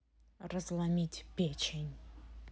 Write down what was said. разломить печень